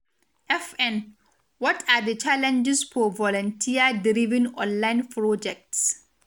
FN: What are the challenges for volunteer-driven online projects?